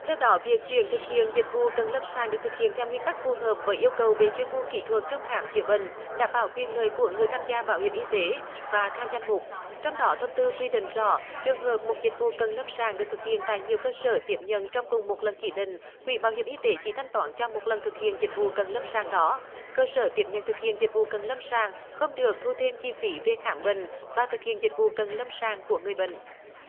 theo đó việc chuyển thực hiện dịch vụ cận lâm sàng được thực hiện theo nguyên tắc phù hợp với yêu cầu về chuyên môn kỹ thuật trong khám chữa bệnh đảm bảo quyền lợi của người tham gia bảo hiểm y tế và theo danh mục trong đó thông tư quy định rõ trường hợp một dịch vụ cận lâm sàng được thực hiện tại nhiều cơ sở tiếp nhận trong cùng một lần chỉ định quỹ bảo hiểm y tế chỉ thanh toán cho một lần thực hiện dịch vụ cận lâm sàng đó cơ sở tiếp nhận thực hiện dịch vụ cận lâm sàng không được thu thêm chi phí về khám bệnh và thực hiện dịch vụ cận lâm sàng của người bệnh